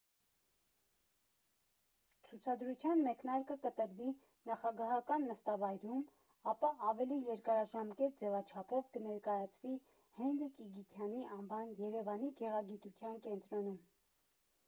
Ցուցադրության մեկնարկը կտրվի նախագահական նստավայրում, ապա ավելի երկարաժամկետ ձևաչափով կներկայացվի Հենրիկ Իգիթյանի անվան Երևանի գեղագիտության կենտրոնում։